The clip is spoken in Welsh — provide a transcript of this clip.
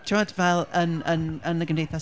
timod fel yn, yn, yn y gymdeithas...